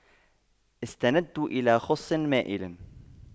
استندت إلى خصٍ مائلٍ